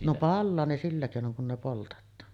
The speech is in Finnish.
no palaa ne sillä keinoin kun ne poltetaan